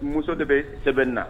Muso de bɛ sɛbɛnni na